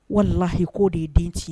Walahi k'o de ye den tiɲɛ